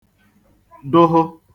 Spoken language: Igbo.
dụhụ